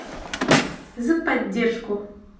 за поддержку